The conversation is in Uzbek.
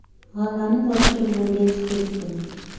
g'allani topshirib bo'lgach ketdim